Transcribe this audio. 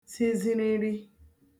ziziriri